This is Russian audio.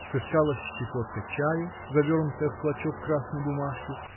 Сыскалась щепотка чаю, завернутая в клочок красной бумажки